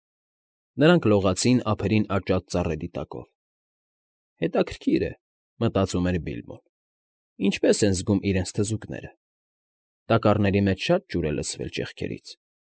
Նրանք լողացին ափերին աճած ծառերի տակով։ «Հետաքրքիր է,֊ մտածում էր Բիլբոն,֊ ինչպե՞ս են զգում իրենց թզուկները… Տակառների մեջ շա՞տ ջուր է լցվել ճեղքերից»։